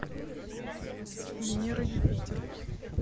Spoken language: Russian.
венера юпитер